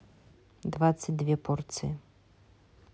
двадцать две порции